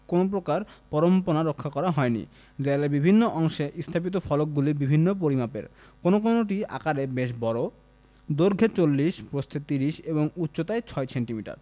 কোন রকম পরম্পরা রক্ষা করা হয় নি দেয়ালের বিভিন্ন অংশে সংস্থাপিত ফলকগুলি বিভিন্ন পরিমাপের কোন কোনটি আকারে বেশ বড় দৈর্ঘ্যে ৪০ প্রস্থে ৩০ এবং উচ্চতায় ৬ সেন্টিমিটার